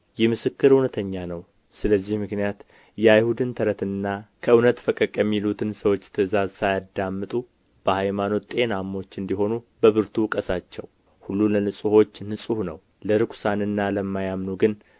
ይህ ምስክር እውነተኛ ነው ስለዚህ ምክንያት የአይሁድን ተረትና ከእውነት ፈቀቅ የሚሉትን ሰዎች ትእዛዝ ሳያዳምጡ በሃይማኖት ጤናሞች እንዲሆኑ በብርቱ ውቀሳቸው ሁሉ ለንጹሖች ንጹሕ ነው ለርኵሳንና ለማያምኑ ግን